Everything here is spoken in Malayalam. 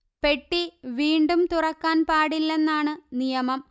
പെട്ടി വീണ്ടും തുറക്കാൻപാടില്ലെന്നാണ് നിയമം